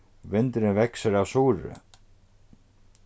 vindurin veksur av suðri